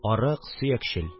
Арык, сөякчел